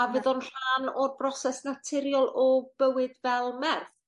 a bydd o'n rhan o'r broses naturiol o bywyd fel merch.